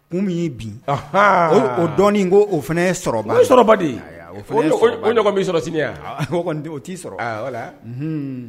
Kun min y'i bin o o dɔn ko o fana sɔrɔ de min sɔrɔ sini t'i sɔrɔ